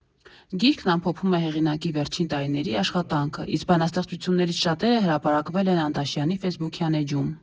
Գիրքն ամփոփում է հեղինակի վերջին տարիների աշխատանքը, իսկ բանաստեղծություններից շատերը հրապարակվել են Անտաշյանի ֆեյսբուքյան էջում։